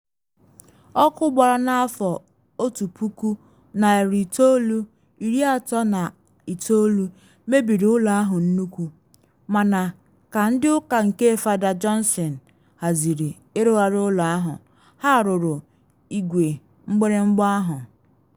Ọkụ gbara na 1939 mebiri ụlọ ahụ nnukwu, mana ka ndị ụka nke Fada Johnson haziri ịrụgharị ụlọ ahụ, ha rụrụ igwe mgbịrịmgba ahụ.